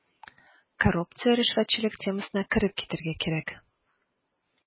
Коррупция, ришвәтчелек темасына кереп китәргә кирәк.